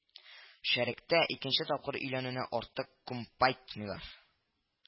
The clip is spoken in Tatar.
Шәрекътә икенче тапкыр өйләнүне артык кумпайтмыйлар